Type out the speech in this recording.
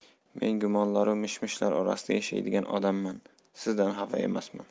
men gumonlaru mish mishlar orasida yashaydigan odamman sizdan xafa emasman